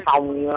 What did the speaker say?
cũng